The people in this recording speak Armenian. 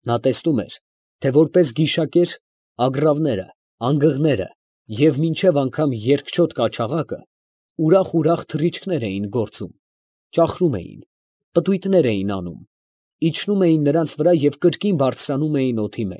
Նա տեսնում էր, թե որպես գիշակեր ագռավները, անգղները և մինչև անգամ երկչոտ կաչաղակը ուրախ֊ուրախ թռիչքներ էին գործում, ճախրում էին, պտույտներ էին անում, իջնում էին նրանց վրա և կրկին բարձրանում էին օդի։